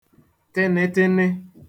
tịnịtịnị